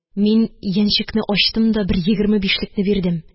Мин янчекне ачтым да бер егерме бишлекне бирдем.